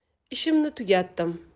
ishimni tugatdim